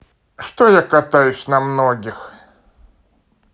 что я катаюсь на многих